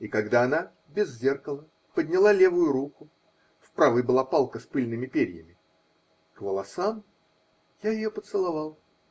И когда она, без зеркала, подняла левую руку -- в правой была палка с пыльными перьями -- к волосам, я ее поцеловал.